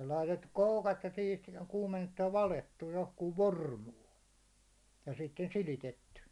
ja laitettu koukat ja siitä kuumennettu ja valettu johonkin formuun ja sitten silitetty